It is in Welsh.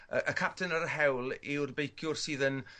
yy y capten y hewl yw'r beiciwr sydd yn